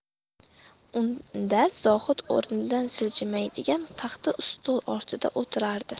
unda zohid o'rnidan siljimaydigan taxta ustol ortida o'tirardi